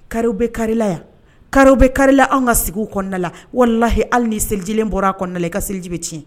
Karew bɛ kare la yan karew bɛ kare la anw ka sigiw kɔnɔna la walalahi hali ni selijilen bɔra kɔnɔna la i ka selijibe tiɲɛ.